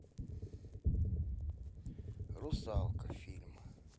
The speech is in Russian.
русалка фильм